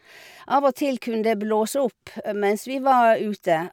Av og til kunne det blåse opp mens vi var ute.